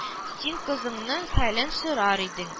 Син кызыңның хәлен сорар идең